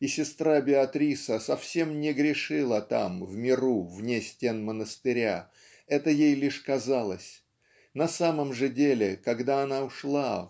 и сестра Беатриса совсем не грешила там в миру вне стен монастыря это ей лишь казалось на самом же деле когда она ушла